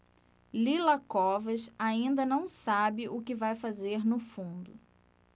lila covas ainda não sabe o que vai fazer no fundo